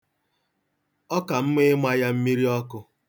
Ọ ka mma ịma ya mmiri ọkụ.